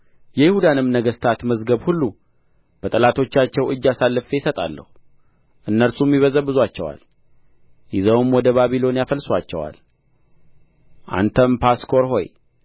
የይሁዳንም ነገሥታት መዝገብ ሁሉ በጠላቶቻቸው እጅ አሳልፌ እሰጣለሁ እነርሱም ይበዘብዙአቸዋል ይዘውም ወደ ባቢሎን ያፈልሱአቸዋል አንተም ጳስኮር ሆይ